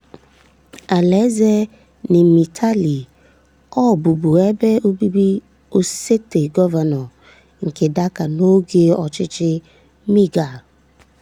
Ala Eze Nimtali, ọ bụbu ebe obibi Osote Gọvanọ nke Dhaka n'oge ọchịchị Mighal.